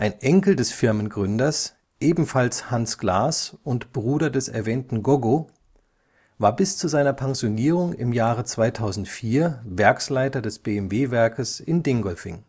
Enkel des Firmengründers, ebenfalls Hans Glas und Bruder des erwähnten „ Goggo “, war bis zu seiner Pensionierung im Jahre 2004 Werksleiter des BMW-Werkes in Dingolfing